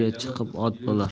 yozga chiqib ot bo'lar